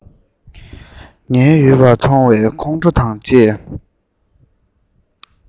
ཉལ ཡོད པ མཐོང བས ཁོང ཁྲོ དང བཅས